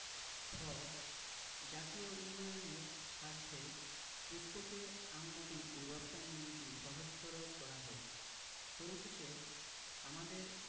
ঠ জাতীয় উন্নয়নের স্বার্থে পুস্তকের আমদানী ও রপ্তানী নীতি সহজতর করা হোক পরিশেষে আমাদের